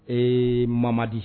Ee mamadi